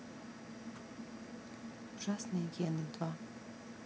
ужасные гены два